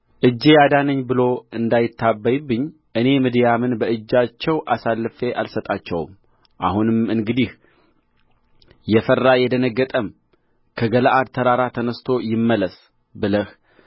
አሁንም እንግዲህ የፈራ የደነገጠም ከገለዓድ ተራራ ተነሥቶ ይመለስ ብለህ በሕዝቡ ጆሮ አውጅ አለው ከሕዝቡም ሀያ ሁለት ሺህ ተመለሱ አሥርም ሺህ ቀሩ